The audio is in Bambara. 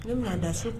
Ne minan n da su